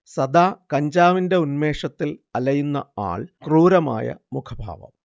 സദാ കഞ്ചാവിന്റെ ഉന്മേഷത്തിൽ അലയുന്ന ആൾ ക്രൂരമായ മുഖഭാവം